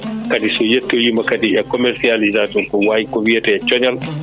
kadi so yettoyima kadi e commercialisation ko way ko wiyete cooñal